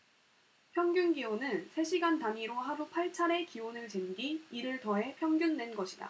평균기온은 세 시간 단위로 하루 팔 차례 기온을 잰 뒤 이를 더해 평균 낸 것이다